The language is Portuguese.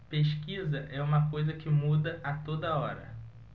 pesquisa é uma coisa que muda a toda hora